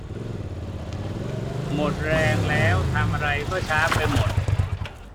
หมดแรงแล้วทำอะไรก็ช้าไปหมด